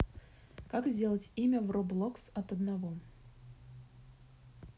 как сделать имя в roblox от одного